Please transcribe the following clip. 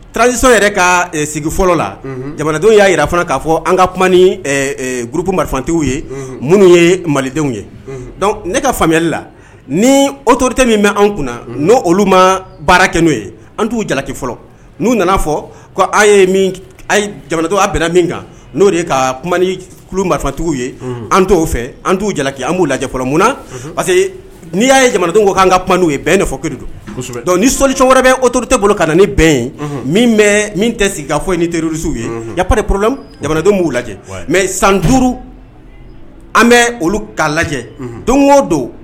Tzso yɛrɛ ka sigi fɔlɔ la jamanadenw y'a jira fana k'a fɔ an ka kuma gp marifatigiww ye minnu ye malidenw ye ne ka faamuyali la nitorote min bɛ an kunna n'o olu ma baara kɛ n'o ye an t'u jalaki fɔlɔ n'u nana fɔ ko ye jamanadenw' bɛnana min kan n'o de ye ka maritigiw ye an t' fɛ an t'uki an b'u lajɛ fɔlɔ munna na que n'i y'a ye jamanadenw ko anan ka kuma'u ye bɛnfɔ ki don ni selilic wɛrɛ bɛ otourute bolo ka na ni bɛn ye min tɛ sigi ka fɔ teriurusiww ye yare jamanadenw b'u lajɛ mɛ san duuru an bɛ olu' lajɛ don o don